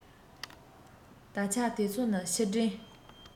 ད ཆ དེ ཚོ ནི ཕྱིར དྲན